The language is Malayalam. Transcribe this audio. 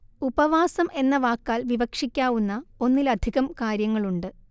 ഉപവാസം എന്ന വാക്കാൽ വിവക്ഷിക്കാവുന്ന ഒന്നിലധികം കാര്യങ്ങളുണ്ട്